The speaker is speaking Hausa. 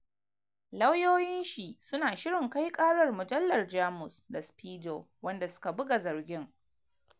Ana zargin cewa bayan haka ya biya ta dala 375,000 dan ta rufe bakin ta akan abun, Der Spiegel sun yi rihoto ranar Jumma’a.